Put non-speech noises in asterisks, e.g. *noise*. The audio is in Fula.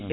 *hesitation* *hesitation*